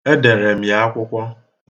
Edeere m ya akwụkwọ.